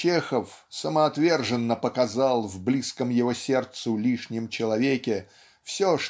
Чехов самоотверженно показал в близком его сердцу лишнем человеке все